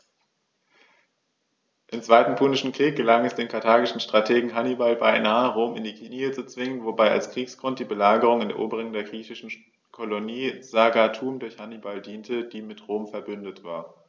Im Zweiten Punischen Krieg gelang es dem karthagischen Strategen Hannibal beinahe, Rom in die Knie zu zwingen, wobei als Kriegsgrund die Belagerung und Eroberung der griechischen Kolonie Saguntum durch Hannibal diente, die mit Rom „verbündet“ war.